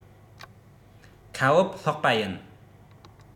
ཁ བུབ སློག པ ཡིན